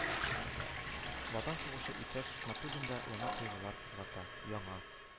Ватан сугышы иптәш Рәхмәтуллинда яңа тойгылар кузгата, яңа